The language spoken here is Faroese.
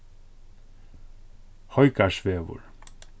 hoygarðsvegur